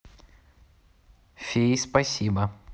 феи спасибо